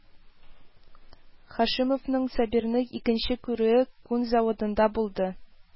Һашимовның Сабирны икенче күрүе күн заводында булды